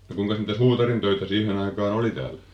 no kuinkas niitä suutarintöitä siihen aikaan oli täällä